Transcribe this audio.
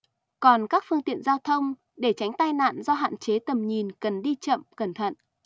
còn các phương tiện giao thông để tránh tai nạn do hạn chế tầm nhìn cần đi chậm cẩn thận